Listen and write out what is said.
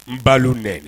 N balu nɛni